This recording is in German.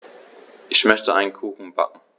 Ich möchte einen Kuchen backen.